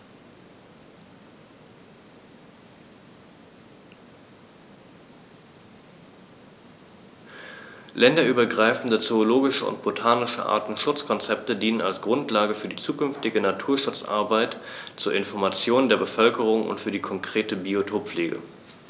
Länderübergreifende zoologische und botanische Artenschutzkonzepte dienen als Grundlage für die zukünftige Naturschutzarbeit, zur Information der Bevölkerung und für die konkrete Biotoppflege.